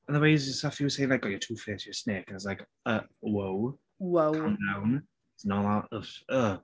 And the way he's... the stuff he was saying like "oh you're two faced you're a snake". And I was like "uh wow"... wow ...calm down it's not like ugh.